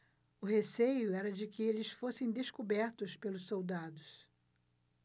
o receio era de que eles fossem descobertos pelos soldados